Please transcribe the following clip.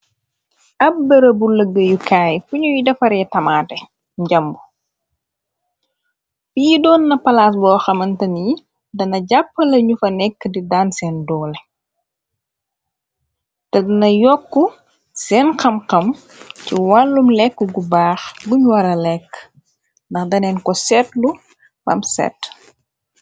Ab bërëbu lëggyukaay kuñuy defaree tamaate njàmbu pii doon na palaas boo xamantan yi dana jàppa lañu fa nekk di daan seen doole te dana yokk seen xam-xam ci wàllum lekk gu baax buñ wara lekk ndax daneen ko setlu bam set.